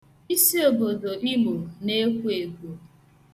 Isiobodo Imo na-ekwo ekwo.